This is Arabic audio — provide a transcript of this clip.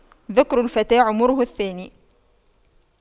ذكر الفتى عمره الثاني